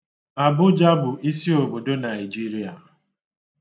Abụja bụ isiobodo Naịjiria.